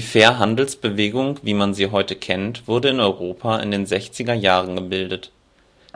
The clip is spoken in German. Fairhandelsbewegung wie man sie heute kennt, wurde in Europa in den sechziger Jahren gebildet.